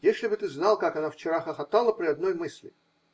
Если бы ты знал, как она вчера хохотала при одной мысли!